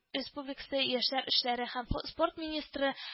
Республикасы яшьләр эшләре һәм спорт министры